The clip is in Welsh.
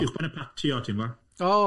Uwchben y patio ti'n gwybod?